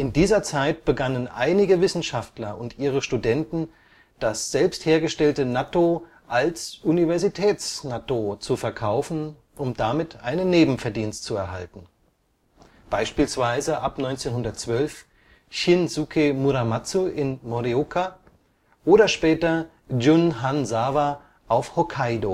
dieser Zeit begannen einige Wissenschaftler und ihre Studenten das selbst hergestellte Nattō als Universitäts-Nattō zu verkaufen, um damit einen Nebenverdienst zu erhalten, beispielsweise ab 1912 Shinsuke Muramatsu in Morioka oder später Jun Hanzawa auf Hokkaidō